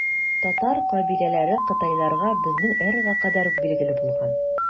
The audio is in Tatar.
Татар кабиләләре кытайларга безнең эрага кадәр үк билгеле булган.